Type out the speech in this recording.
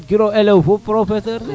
andiɗ kiro elew fo professeur ne